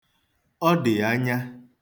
Ọ dị anya.